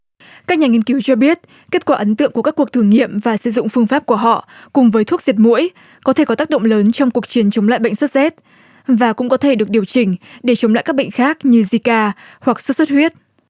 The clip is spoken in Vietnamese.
các nhà nghiên cứu cho biết kết quả ấn tượng của các cuộc thử nghiệm và sử dụng phương pháp của họ cùng với thuốc diệt muỗi có thể có tác động lớn trong cuộc chiến chống lại bệnh sốt rét và cũng có thể được điều chỉnh để chống lại các bệnh khác như di ca hoặc sốt xuất huyết